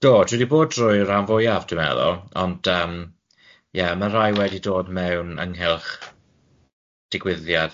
Do, dwi 'di bod drwy ran fwyaf dwi'n meddwl, ond yym